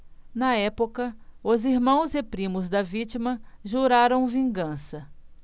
na época os irmãos e primos da vítima juraram vingança